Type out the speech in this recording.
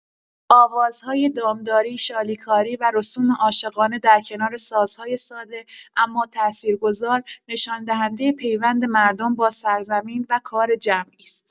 آوازهای دامداری، شالیکاری و رسوم عاشقانه در کنار سازهای ساده اما تأثیرگذار نشان‌دهنده پیوند مردم با سرزمین و کار جمعی است.